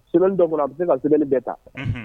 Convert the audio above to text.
Semaine dɔw kɔnɔ a bɛ se ka semaine bɛɛ ta.